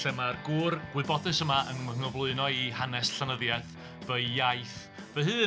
Lle mae'r gŵr gwybodus yma yn fy nghyflwyno i i hanes llenyddiaeth fy iaith fy hun.